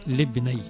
lebbi naayi